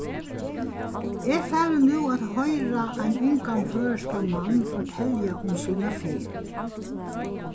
eg fari nú at hoyra ein ungan føroyskan mann fortelja um sína ferð